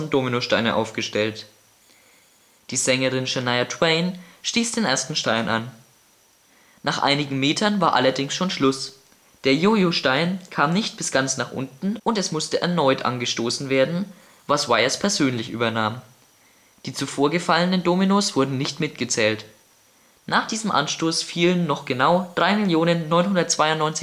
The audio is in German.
Dominosteine aufgestellt. Die Sängerin Shania Twain stieß den ersten Stein an. Nach einigen Metern war allerdings schon Schluss. Der Jojo-Stein kam nicht bis ganz nach unten und es musste erneut angestoßen werden, was Weijers persönlich übernahm. Die zuvor gefallenen Dominos wurden nicht mitgezählt. Nach diesem Anstoß fielen noch genau 3.992.397